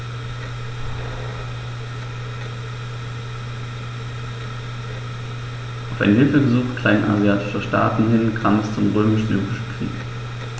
Auf ein Hilfegesuch kleinasiatischer Staaten hin kam es zum Römisch-Syrischen Krieg.